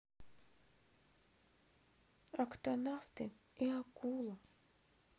октонавты и акула